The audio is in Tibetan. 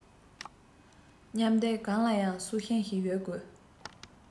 མཉམ སྡེབ གང ལ ཡང སྲོག ཤིང ཞིག ཡོད དགོས